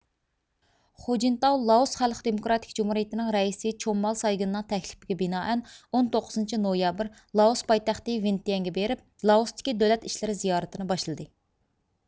خۇجىنتاۋ لائوس خەلق دېموكراتىك جۇمھۇرىيىتىنىڭ رەئىسى چوممال سايگىننىڭ تەكلىپىگە بىنائەن ئون توققۇزىنچى نويابىر لائوس پايتەختى ۋىنتىيەنگە بېرىپ لائوستىكى دۆلەت ئىشلىرى زىيارىتىنى باشلىدى